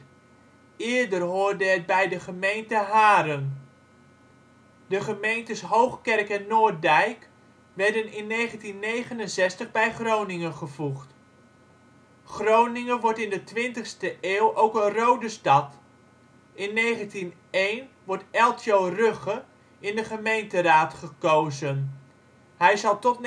eerder hoorde het bij de gemeente Haren. De gemeentes Hoogkerk en Noorddijk werden in 1969 bij Groningen gevoegd. Groningen wordt in de twintigste eeuw ook een rode stad. In 1901 wordt Eltjo Rugge in de gemeenteraad gekozen, hij zal tot